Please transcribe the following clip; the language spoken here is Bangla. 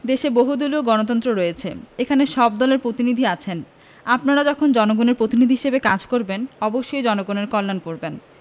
দেশে বহুদলীয় গণতন্ত্র রয়েছে এখানে সব দলের প্রতিনিধি আছেন আপনারা যখন জনগণের প্রতিনিধি হিসেবে কাজ করবেন অবশ্যই জনগণের কল্যাণ করবেন